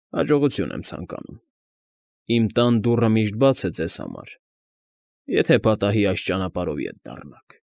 Հաջողություն եմ ցանկանում։ Իմ տան դուռը միշտ բաց է ձեզ համար, եթե պատահի այս ճանապրհով ետ դառնաք։